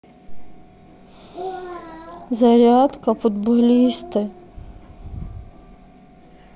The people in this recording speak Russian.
зарядка футболисты